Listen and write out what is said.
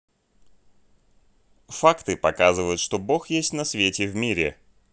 факты показывают что бог есть на свете в мире